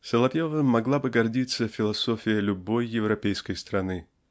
Соловьевым могла бы гордиться философия любой европейской страны.